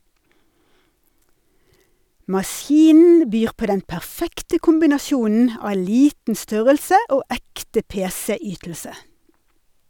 Maskinen byr på den perfekte kombinasjonen av liten størrelse og ekte pc-ytelse.